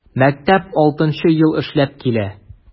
Мәктәп 6 нчы ел эшләп килә.